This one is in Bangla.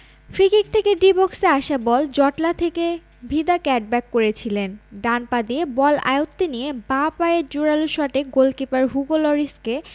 ফ্রিকিক থেকে ডি বক্সে আসা বল জটলা থেকে ভিদা ক্যাটব্যাক করেছিলেন ডান পা দিয়ে বল আয়ত্তে নিয়ে বাঁ পায়ের জোরালো শটে গোলকিপার হুগো লরিসকে